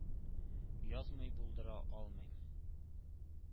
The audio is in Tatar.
Язмый булдыра алмыйм.